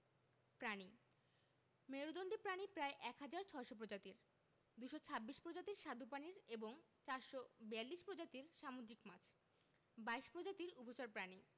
প্রাণীঃ মেরুদন্ডী প্রাণী প্রায় ১হাজার ৬০০ প্রজাতির ২২৬ প্রজাতির স্বাদু পানির এবং ৪৪২ প্রজাতির সামুদ্রিক মাছ ২২ প্রজাতির উভচর প্রাণী